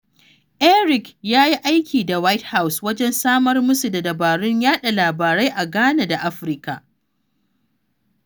Erik ya yi aiki da White House wajen samar musu da dabarun yaɗa labarai a Ghana da Afirka.